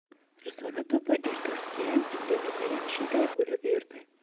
risolat opa ertasigayam indinigayam shunday bo'lib yurdi